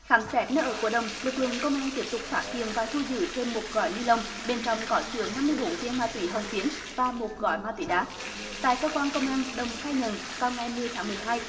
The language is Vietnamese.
khám xét nơi ở của đồng lực lượng công an tiếp tục phát hiện và thu giữ thêm một gói ni lông bên trong có chứa năm mươi bốn viên ma túy hồng phiến và một gói ma túy đá tại cơ quan công an đồng khai nhận vào ngày mười tháng mười hai